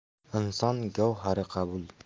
inson gavhari qobul